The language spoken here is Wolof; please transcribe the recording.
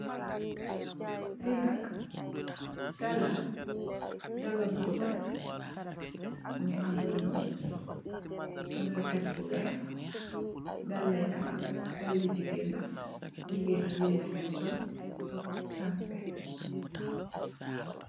Lenak dala la .dalale bu guda mugi ameh lu nul nyu ko tek fu weyh. dala yikan gigen yi mum lende sol.